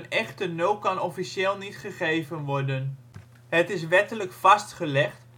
echte nul kan officieel niet gegeven worden. Het is wettelijk vastgelegd